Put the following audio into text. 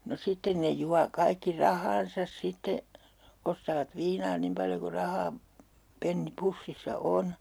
no sitten ne juo kaikki rahansa sitten ostavat viinaa niin paljon kuin rahaa penni pussissa on